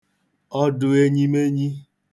ọdụ enyimenyi